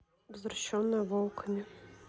взращенная волками